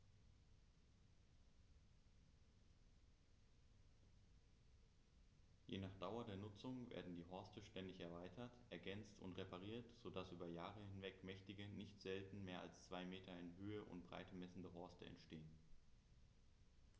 Je nach Dauer der Nutzung werden die Horste ständig erweitert, ergänzt und repariert, so dass über Jahre hinweg mächtige, nicht selten mehr als zwei Meter in Höhe und Breite messende Horste entstehen.